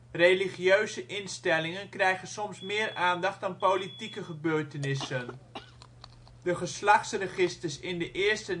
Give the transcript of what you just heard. Religieuze instellingen krijgen soms meer aandacht dan politieke gebeurtenissen. " De geslachtsregisters in de eerste